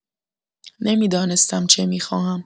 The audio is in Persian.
نمی‌دانستم چه می‌خواهم.